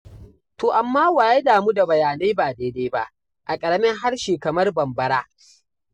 To amma wa ya damu da bayanai ba daidai ba a ƙaramin harshe kamar Bambara?